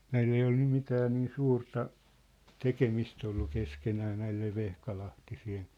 näillä ei ole nyt mitään niin suurta tekemistä ollut keskenään näille vehkalahtisten